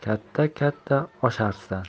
katta katta osharsan